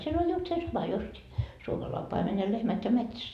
siellä oli justiin se sama justiin suomalainen paimen ja lehmät ja metsässä